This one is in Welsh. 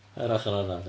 Yr ochr arall, ia.